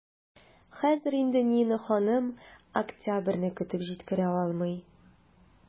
Хәзер инде Нина ханым октябрьне көтеп җиткерә алмый.